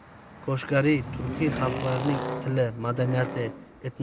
koshg'ariy turkiy xalqlarning tili madaniyati